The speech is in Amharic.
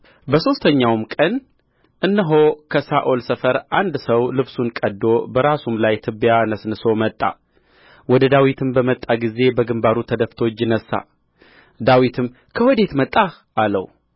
በሦስተኛውም ቀን እነሆ ከሳኦል ሰፈር አንድ ሰው ልብሱን ቀድዶ በራሱም ላይ ትቢያ ነስንሶ መጣ ወደ ዳዊትም በመጣ ጊዜ በግምባሩ ተደፍቶ እጅ ነሣ ዳዊትም ከወዴት መጣህ አለው